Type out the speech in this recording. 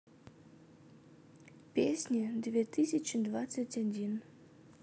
песни две тысячи двадцать один